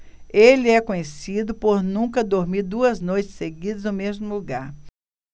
ele é conhecido por nunca dormir duas noites seguidas no mesmo lugar